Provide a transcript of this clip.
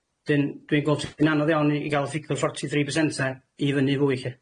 'Dyn, dwi'n gwelt hi'n anodd iawn i i ga'l y ffigwr forty three percent 'ne i fyny i fwy lly.